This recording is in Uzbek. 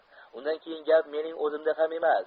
undan keyin gap mening o'zimda ham emas